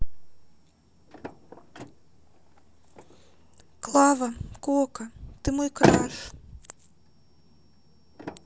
клава кока ты мой краш